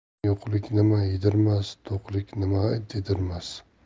yo'qlik nima yedirmas to'qlik nima dedirmas